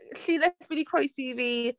Llinell wedi croesi i fi.